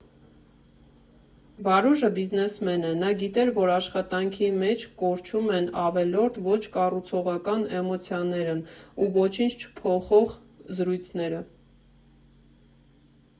Վարուժը բիզնեսմեն է, նա գիտեր, որ աշխատանքի մեջ կորչում են ավելորդ, ոչ կառուցողական էմոցիաներն ու ոչինչ չփոխող զրույցները։